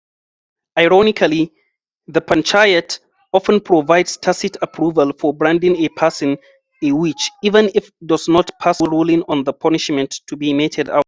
Ironically, the panchayat often provides tacit approval for branding a person a witch even if does not pass ruling on the punishment to be meted out.